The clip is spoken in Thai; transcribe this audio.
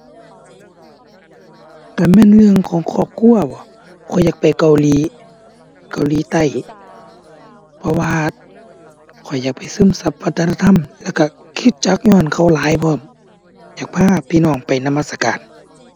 คันแม่นเรื่องของครอบครัวบ่ ข้อยอยากไปเกาหลี เกาหลีใต้ เพราะว่าข้อยอยากไปซึมซับวัฒนธรรมแล้วก็คริสตจักรญ้อนเขาหลายพร้อม อยากพาพี่น้องไปนมัสการ